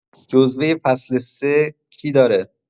جزوه فصل ۳ کی داره؟